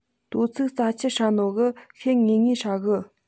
དོ ཚིགས རྩྭ ཆུ ཧྲ ནོ གིས ཤེད ངེས ངེས ཧྲ གི